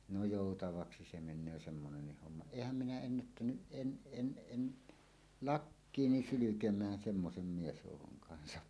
no joutavaksi se menee semmoinen homma enhän minä ennättänyt en en en lakkiini sylkemään semmoisen miesjoukon kanssa